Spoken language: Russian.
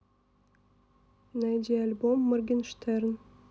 найди альбомы моргенштерн